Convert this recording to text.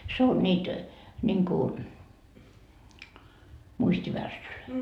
se on niitä niin kuin muistivärssyjä